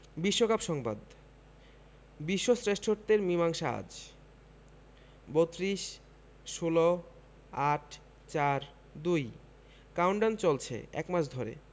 বিশ্বকাপ সংবাদ বিশ্ব শ্রেষ্ঠত্বের মীমাংসা আজ ৩২ ১৬ ৮ ৪ ২ কাউন্টডাউন চলছে এক মাস ধরে